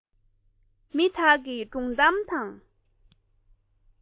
མི དག གིས སྒྲུང གཏམ དང